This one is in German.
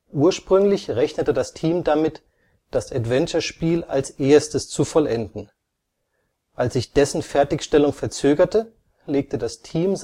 Ursprünglich rechnete das Team damit, das Adventure-Spiel als erstes zu vollenden. Als sich dessen Fertigstellung verzögerte, legte das Team